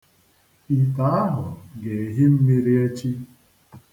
Ite ahụ ga-ehi mmiri echi.